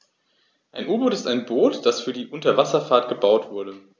Ein U-Boot ist ein Boot, das für die Unterwasserfahrt gebaut wurde.